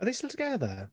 Are they still together?